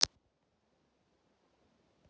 мультик фока